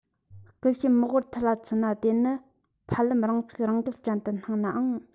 སྐུ ཞབས མི ཝར ཐི ལ མཚོན ན དེ ནི ཕལ ལམ རང ཚིག རང འགལ ཅན དུ སྣང ནའང